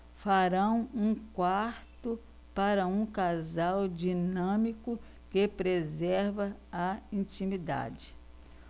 farão um quarto para um casal dinâmico que preserva a intimidade